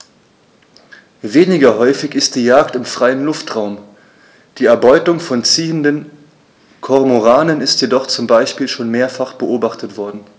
Weniger häufig ist die Jagd im freien Luftraum; die Erbeutung von ziehenden Kormoranen ist jedoch zum Beispiel schon mehrfach beobachtet worden.